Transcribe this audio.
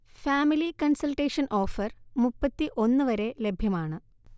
family consultation offer മുപ്പത്തി ഒന്നുവരെ ലഭ്യമാണ്